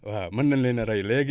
waaw mën nañ leen a ray léegi